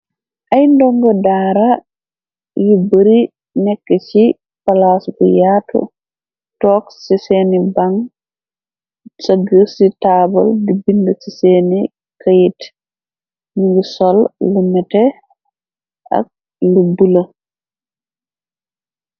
Ay ndongo daara yi bari nekk ci palaas bu yaatu toox ci seeni baŋ sëgg ci taabal di bind ci seeni kayit ni ngi sol lu mete ak lu bula.